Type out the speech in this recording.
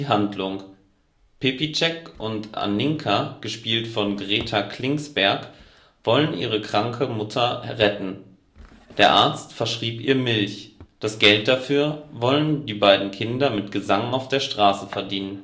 Handlung: Pepícek und Aninka (gespielt von Greta Klingsberg) wollen ihre kranke Mutter retten. Der Arzt verschrieb ihr Milch. Das Geld dafür wollen die beiden Kinder mit Gesang auf der Straße verdienen.